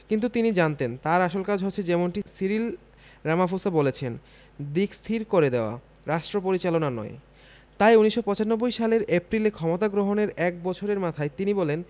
কিন্তু তিনি জানতেন তাঁর আসল কাজ হচ্ছে যেমনটি সিরিল রামাফোসা বলেছেন দিক স্থির করে দেওয়া রাষ্ট্রপরিচালনা নয় তাই ১৯৯৫ সালের এপ্রিলে ক্ষমতা গ্রহণের এক বছরের মাথায় তিনি বলেন